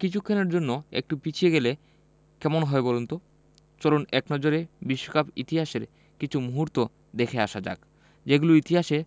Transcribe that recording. কিছুক্ষণের জন্য একটু পিছিয়ে গেলে কেমন হয় বলুন তো চলুন এক নজরে বিশ্বকাপ ইতিহাসের কিছু মুহূর্ত দেখে আসা যাক যেগুলো ইতিহাসে